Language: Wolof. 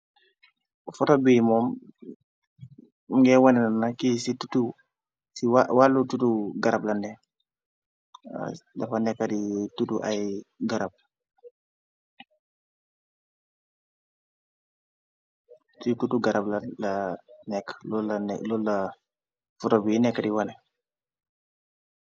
Fhotobi moom mugee wonena nak ki ci tutu se wàllu tutu garab la ne waw dafa nekka de tutu aye garab se tutu garab laa nekk lo la fotobi nekka de wane.